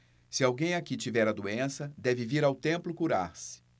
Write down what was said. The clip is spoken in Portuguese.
se alguém aqui tiver a doença deve vir ao templo curar-se